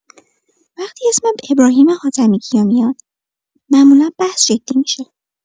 وقتی اسم ابراهیم حاتمی‌کیا میاد، معمولا بحث جدی می‌شه.